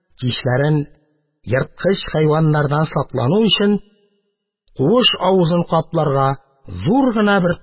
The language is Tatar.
Кичләрен ерткыч хайваннардан саклану өчен, куыш авызын капларга зур гына бер